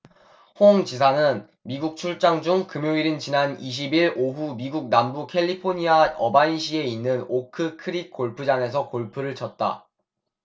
홍 지사는 미국 출장 중 금요일인 지난 이십 일 오후 미국 남부 캘리포니아 어바인시에 있는 오크 크릭 골프장에서 골프를 쳤다